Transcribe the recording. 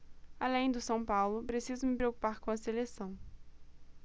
além do são paulo preciso me preocupar com a seleção